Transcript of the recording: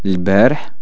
لبارح